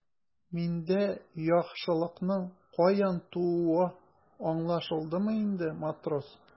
Миндә яхшылыкның каян тууы аңлашылдымы инде, матрос?